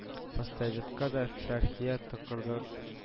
Поссоветка да фәрхия тыкырда